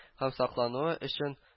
Һәм саклануы өчен